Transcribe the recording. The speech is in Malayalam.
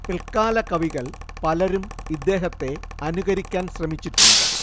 പിൽക്കാല കവികൾ പലരും ഇദ്ദേഹത്തെ അനുകരിക്കാൻ ശ്രമിച്ചിട്ടുണ്ട്